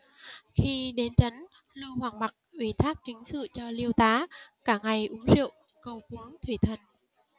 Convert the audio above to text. khi đến trấn lưu hoằng mạc ủy thác chính sự cho liêu tá cả ngày uống rượu cầu cúng quỷ thần